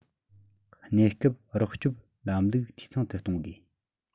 གནས སྐབས རོགས སྐྱོབ ལམ ལུགས འཐུས ཚང དུ གཏོང དགོས